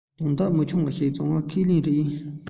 དོན དག མི ཆུང བ ཞིག བྱུང བ ཁས ལེན ཡིན